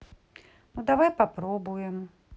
ну давай попробуем